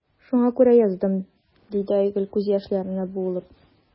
Шуңа күрә яздым,– диде Айгөл, күз яшьләренә буылып.